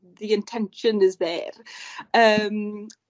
the intention is there Yym.